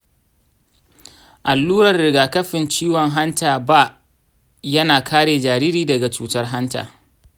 allurar rigakafin ciwon hanta b yana kare jariri daga cutar hanta.